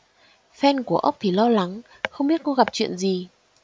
fan của ốc thì lo lắng không biết cô gặp chuyện gì